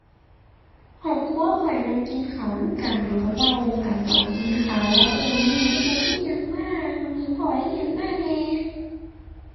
ครอบครัวข้อยมักกินข้าวนำกันแล้วก็เว้ากันตอนกินข้าวว่า เออ มื้อนี้ไปเฮ็ดอิหยังมา มื้อนี้พ้ออิหยังมาแหน่